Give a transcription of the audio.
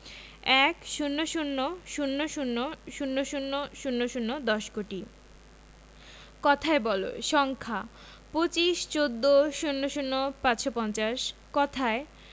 ১০০০০০০০০ দশ কোটি কথায় বলঃ সংখ্যাঃ ২৫ ১৪ ০০ ৫৫০ কথায়ঃ